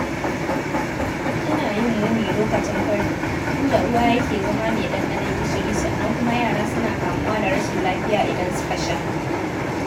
Yana yin muni a lokacin fari; inda ruwan yake zama mai ɗanɗanon gishiri, sannan kuma yara suna kamuwa da rashin lafiya idan suka sha.